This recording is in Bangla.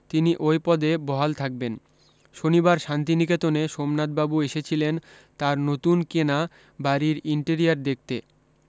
তিনি অই পদে বহাল থাকবেন শনিবার শান্তিনিকেতনে সোমনাথবাবু এসেছিলেন তার নতুন কেনা বাড়ীর ইন্টিরিয়ার দেখতে